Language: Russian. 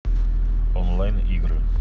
онлайн игры